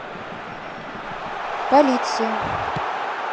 полиция